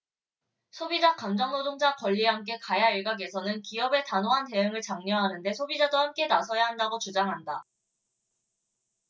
소비자 감정노동자 권리 함께 가야일각에서는 기업의 단호한 대응을 장려하는데 소비자도 함께 나서야 한다고 주장한다